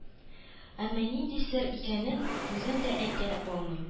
Әмма нинди сер икәнен үзем дә әйтә алмыйм